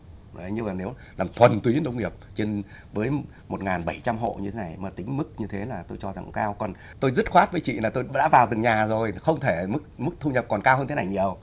vậy nhưng nếu làm thuần túy nông nghiệp trên với một ngàn bảy trăm hộ như thế này mà tính mức như thế là tôi cho rằng cao còn tôi dứt khoát với chị là tôi đã vào tận nhà rồi không thể mức mức thu nhập còn cao hơn thế này nhiều